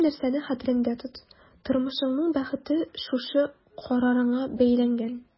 Бер нәрсәне хәтерендә тот: тормышыңның бәхете шушы карарыңа бәйләнгән.